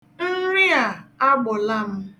Nri a agbụla m